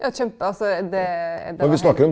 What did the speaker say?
ja altså det det var heilt.